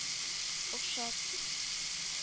Охшап